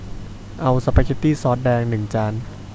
เอาสปาเก็ตตี้ซอสแดงหนึ่งจาน